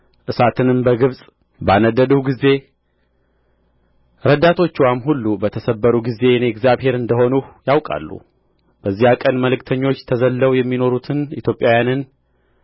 እሳትንም በግብጽ ባነደድሁ ጊዜ ረዳቶችዋም ሁሉ በተሰበሩ ጊዜ እኔ እግዚአብሔር እንደ ሆንሁ ያውቃሉ በዚያ ቀን መልእክተኞች ተዘልለው የሚኖሩትን ኢትዮጵያውያንን